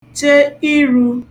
che irū